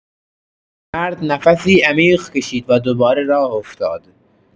مرد نفسی عمیق کشید و دوباره راه افتاد.